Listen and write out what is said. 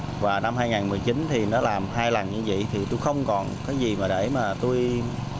và năm hai ngàn mười chín thì nó làm hai lần như vậy thì tui không còn có gì mà để mà tui